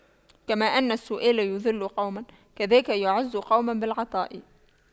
كما أن السؤال يُذِلُّ قوما كذاك يعز قوم بالعطاء